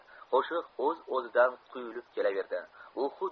qo'shiq o'z o'zidan quyilib kelaverdi